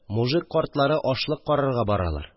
Мужик картлары ашлык карарга баралар